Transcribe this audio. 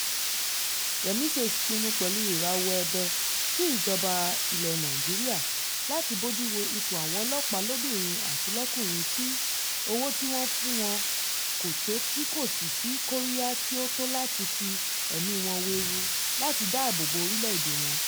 Yomi Says pinnu pẹ̀lú ìrawọ́ ẹ̀bẹ̀ sí ìjọba ilẹ̀ Nàìjíríà láti bójú wo ipò àwọn ọlọ́pàá lóbìnrin àti lọ́kùnrin tí owó tí wọ́n ń fún wọn kò tó tí kò sì sí kóríyá tí ó tó láti fi ẹ̀mí wọn wewu láti dáàbò bo orílẹ̀ èdè wọn.